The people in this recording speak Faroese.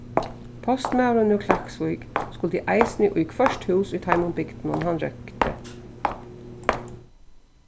postmaðurin úr klaksvík skuldi eisini í hvørt hús í teimum bygdum hann røkti